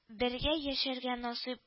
Бергә яшәргә насыйп